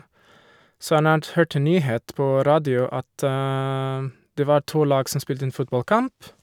Så han hadde hørt en nyhet på radio at det var to lag som spilte en fotballkamp.